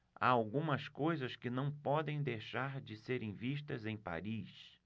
há algumas coisas que não podem deixar de serem vistas em paris